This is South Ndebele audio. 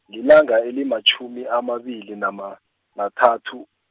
lilanga elimatjhumi amabili nama-, nathathu.